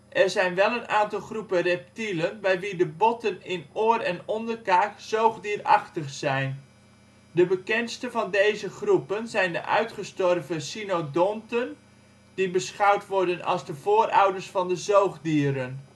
zijn wel een aantal groepen reptielen bij wie de botten in oor en onderkaak zoogdierachtig zijn. De bekendste van deze groepen zijn de uitgestorven cynodonten, die beschouwd worden als de voorouders van de zoogdieren